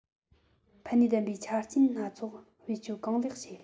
ཕན ནུས ལྡན པའི ཆ རྐྱེན སྣ ཚོགས བེད སྤྱོད གང ལེགས བྱས